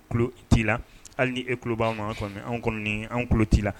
Lo t la hali ni e tuloba ma tuma an kɔni an t la